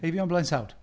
Eifion blaen sawd?